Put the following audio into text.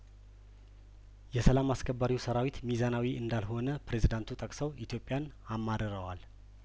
የሰላም አስከባሪው ሰራዊት ሚዛናዊ እንዳልሆነ ፕሬዝዳንቱ ጠቅሰው ኢትዮጵያን አማርረዋል